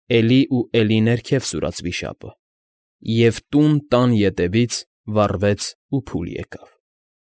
Էլի ու էլի ներքև սուրաց վիշապը, և տուն տան ետևից վառվեց ու փուլ եկավ։